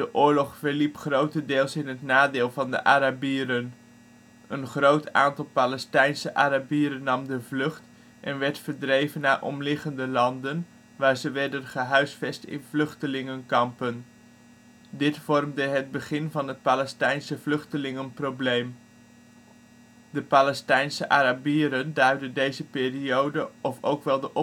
oorlog verliep grotendeels in het nadeel van de Arabieren. Een groot aantal Palestijnse Arabieren nam de vlucht en werd verdreven naar omliggende landen, waar ze werden gehuisvest in vluchtelingenkampen. Dit vormde het begin van het Palestijnse vluchtelingenprobleem. De (Palestijnse) Arabieren duiden deze periode of ook wel de